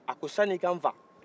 a ko sani ka n faa